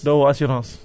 ku jënd otoom